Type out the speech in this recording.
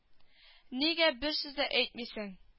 Нигә бер сүз дә әйтмисең